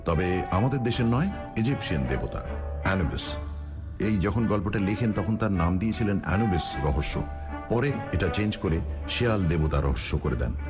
তবে আমাদের দেশের নয় ইজিপ্সিয়ান দেবতা অ্যানুবিস এই যখন গল্পটা লেখেন তখন নাম দিয়েছিলেন অ্যানুবিস রহস্য পরে সেটা চেঞ্জ করে শেয়াল দেবতা রহস্য করে দেন